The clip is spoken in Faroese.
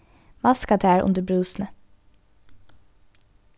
vaska tær undir brúsuni